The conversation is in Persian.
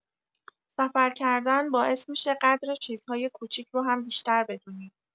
سفر کردن باعث می‌شه قدر چیزهای کوچیک رو هم بیشتر بدونی.